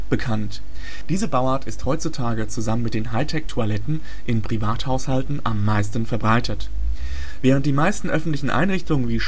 Bauart ist heutzutage zusammen mit den Hightech-Toiletten in Privathaushalten am meisten verbreitet. Während die meisten öffentlichen Einrichtungen